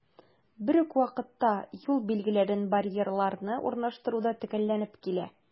Бер үк вакытта, юл билгеләрен, барьерларны урнаштыру да төгәлләнеп килә.